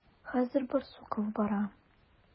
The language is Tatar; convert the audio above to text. Хәзер Барсуков бара.